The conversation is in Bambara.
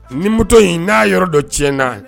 Nin moto in n'a yɔrɔ dɔ tiɲɛ na